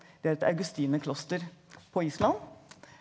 det er et augustinerkloster på Island.